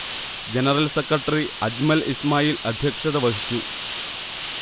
general secretary Ajmal Ismail അധ്യക്ഷത വഹിച്ചു